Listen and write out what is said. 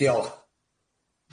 Diolch.